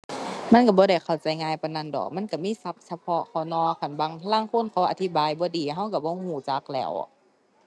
มันก็บ่ได้เข้าใจง่ายปานนั้นดอก มันก็มีศัพท์เฉพาะเขาเนาะ คันบาง ลางคนเขาอธิบายบ่ดีก็ก็บ่ก็จักแหล้ว